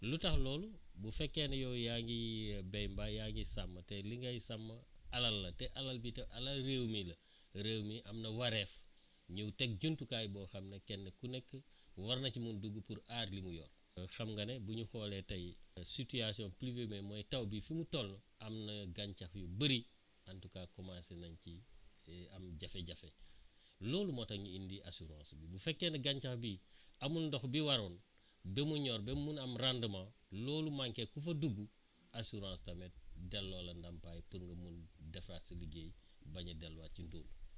lu tax loolu bu fekkee ne yow yaa ngi béy mbaa yaa ngi sàmm te li ngay sàmm alal la te alal bi te alal réew mi la réew mi am na wareef ñëw teg jumtukaay boo xam ne kenn ku nekk war na ci mun dugg pour aar li mu yor xam nga ne bu ñu xoolee tey situation pluviomé mooy taw bi fu mu toll am na gàncax yu bëri en tout cas commencé nañ ci am jafe-jafe loolu moo tax ñu indi assurance bi bu fekkee ne gàncax bi amul ndox bi waral ba mu ñor ba mun a am rendement loolu manqué ku fa dugg assurance tamit delloo la ndàmpaay pour nga mun a defaat sa liggéey bañ a delluwaat ci ndóol